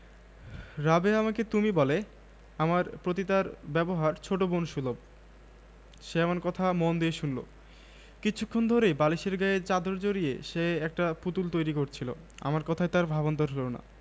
রাবেয়া আমাকে তুমি বলে আমার প্রতি তার ব্যবহার ছোট বোন সুলভ সে আমার কথা মন দিয়ে শুনলো কিছুক্ষণ ধরেই বালিশের গায়ে চাদর জড়িয়ে সে একটা পুতুল তৈরি করছিলো আমার কথায় তার ভাবান্তর হলো না